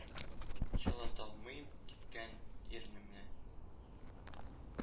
Чылаталмыйм кипкән ирнемне!